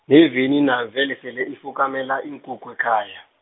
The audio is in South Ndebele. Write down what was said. neveni nayo vele sele ifukamela iinkukhu ekhaya.